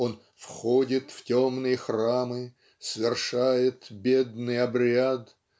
он "входит в темные храмы свершает бедный обряд